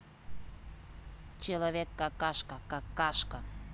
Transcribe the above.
человек какашка какашка